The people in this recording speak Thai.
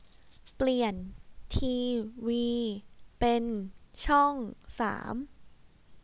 เปลี่ยนทีวีเป็นช่องสาม